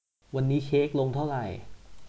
วันนี้เค้กลงเท่าไหร่